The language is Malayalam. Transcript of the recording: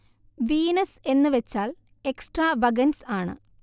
വീനസ് എന്ന് വച്ചാൽ എക്സ്ട്രാ വഗൻസ് ആണ്